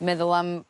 meddwl am